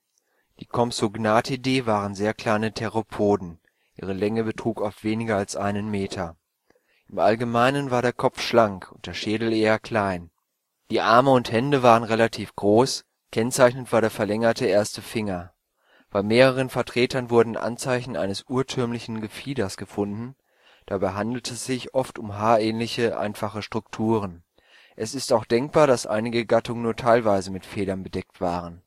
Die Compsognathidae waren sehr kleine Theropoden, ihre Länge betrug oft weniger als einen Meter. Im Allgemeinen war der Rumpf schlank und der Schädel eher klein. Die Arme und Hände waren relativ groß, kennzeichnend war der verlängerte erste Finger. Bei mehreren Vertretern wurden Anzeichen eines urtümlichen Gefieders gefunden, dabei handelte es sich oft um haarähnliche, einfache Strukturen. Es ist auch denkbar, dass einige Gattungen nur teilweise mit Federn bedeckt waren